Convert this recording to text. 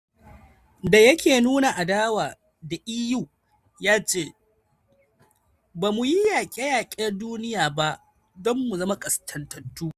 Da yake nuna adawa da EU, ya ce: 'Ba mu yi yaƙe-yaƙe na duniya ba don mu zama kaskantattu.